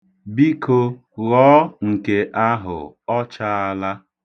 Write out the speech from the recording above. Biko ghọọ nke ahụ; ọ chaala.